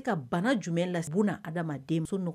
Ka bana jumɛn lase adama denmuso